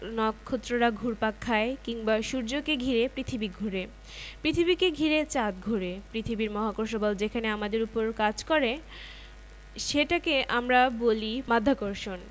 নক্ষত্ররা ঘুরপাক খায় কিংবা সূর্যকে ঘিরে পৃথিবী ঘোরে পৃথিবীকে ঘিরে চাঁদ ঘোরে পৃথিবীর মহাকর্ষ বল যখন আমাদের ওপর কাজ করে সেটাকে আমরা বলি মাধ্যাকর্ষণ